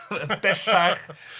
Bellach.